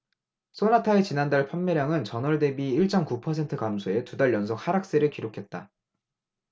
쏘나타의 지난달 판매량은 전월 대비 일 쩜 구 퍼센트 감소해 두 달 연속 하락세를 기록했다